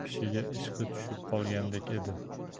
kishiga ishqi tushib qolgandek edi